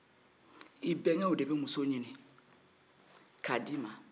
i bɛnkɛw de bɛ muso ɲinin ka di ma